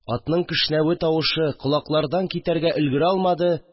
Атның кешнәве тавышы колаклардан китәргә өлгерә алмады